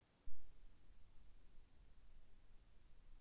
алмаз твоих драгоценных глаз